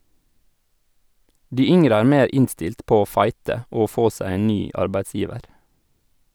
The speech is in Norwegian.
De yngre er mer innstilt på å fighte og få seg en ny arbeidsgiver.